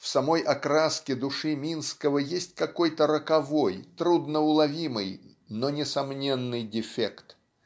в самой окраске души Минского есть какой-то роковой трудноуловимый но несомненный дефект.